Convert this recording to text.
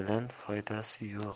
bilan foydasi yo'q